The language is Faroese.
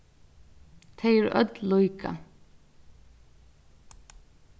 tey eru øll líka